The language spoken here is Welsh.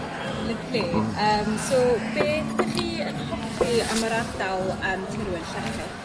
Lyfli. Hmm. A yym so beth 'ych chi yn hoffi am yr ardal yym tirwedd llechi?